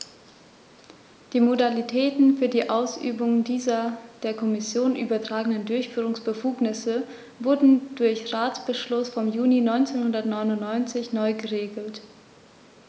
Die Modalitäten für die Ausübung dieser der Kommission übertragenen Durchführungsbefugnisse wurden durch Ratsbeschluss vom Juni 1999 neu geregelt.